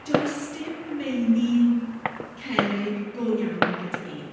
Does dim meini cerrig go iawn gyda ni.